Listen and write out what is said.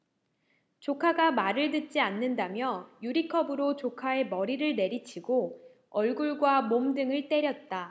조카가 말을 듣지 않는다며 유리컵으로 조카의 머리를 내리치고 얼굴과 몸 등을 때렸다